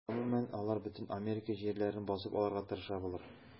Гомумән, алар бөтен Америка җирләрен басып алырга тырыша булыр.